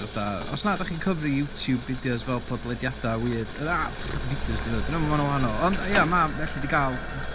Fatha os na dach chi'n cyfri Youtube videos fel podlediadau weird? Na, fideos 'dyn nhw. 'Dyn nhw... maen nhw'n wahanol. Ond ia na, alli di gael...